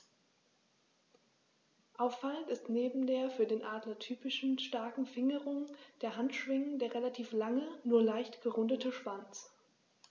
Auffallend ist neben der für Adler typischen starken Fingerung der Handschwingen der relativ lange, nur leicht gerundete Schwanz.